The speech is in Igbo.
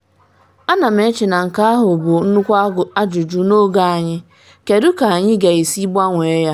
A na m eche na nke ahụ bụ nnukwu ajụjụ n’oge anyị a -kedu ka anyị ga-esi gbanwee ya?